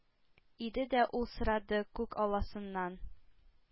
Иде дә ул сорады күк алласыннан: